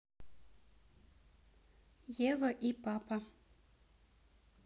ева и папа